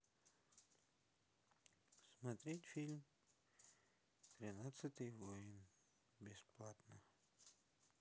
смотреть фильм тринадцатый воин бесплатно